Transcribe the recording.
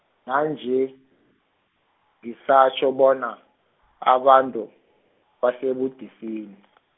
nanje, ngisatjho bona, abantu, basebudisini.